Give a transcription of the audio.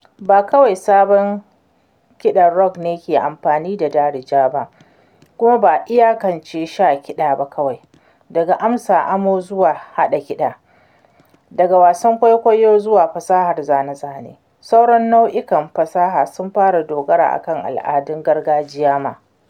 Ba kawai salon kiɗan rock ne ke amfani da Darija ba, kuma ba a iyakance shi a kiɗa ba kawai: daga amsa amo zuwa haɗa kiɗa, daga wasan kwaikwayo zuwa fasahar zane-zane, sauran nau'ikan fasaha sun fara dogara akan al'adun gargajiya ma.